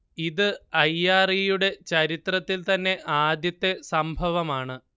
ഇത് I. R. E. യുടെ ചരിത്രത്തിൽ തന്നെ ആദ്യത്തെ സംഭവമാണ്